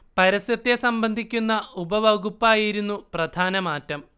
പരസ്യത്തെ സംബന്ധിക്കുന്ന ഉപവകുപ്പായിരുന്നു പ്രധാന മാറ്റം